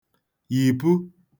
yìpu